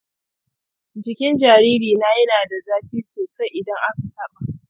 jikin jaririna yana da zafi sosai idan aka taɓa.